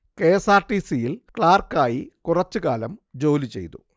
K. S. R. T. C. യിൽ ക്ലർക്കായ് കുറച്ചു കാലം ജോലി ചെയ്തു